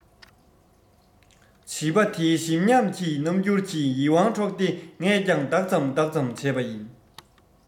བྱིས པ དེའི ཞིམ ཉམས ཀྱི རྣམ འགྱུར གྱིས ཡིད དབང འཕྲོག སྟེ ངས ཀྱང ལྡག ཙམ ལྡག ཙམ བྱས པ ཡིན